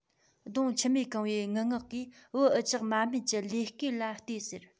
གདོང མཆི མས གང བའི ངུ ངག གིས བུ འུ ཅག མ སྨད ཀྱི ལས བསྐོས ལ ལྟོས ཟེར